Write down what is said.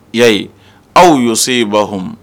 I y'a ye